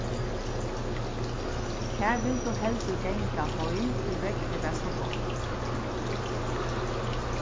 tær vildu heldur ganga heim tí veðrið var so gott